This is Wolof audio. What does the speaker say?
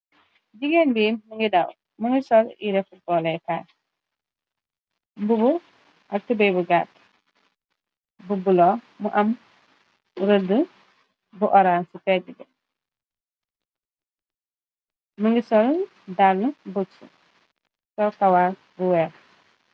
Jigéen bi mangi daaw mëngi sol yrefut boole kaar mbubu ak tubey bu gatt bu bulo mu am rëdd bu horaan ci pejg bi mëngi sol dàll bugs sowkawaal bu weer.